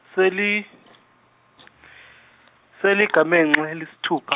seli- seligamengxe elesithupha.